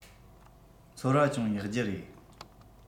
ཚོར བ ཅུང ཡག རྒྱུ རེད